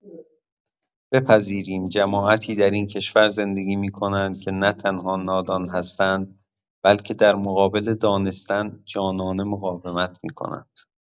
بپذیریم جماعتی در این کشور زندگی می‌کنند که نه‌تنها نادان هستند بلکه در مقابل دانستن، جانانه مقاومت می‌کنند.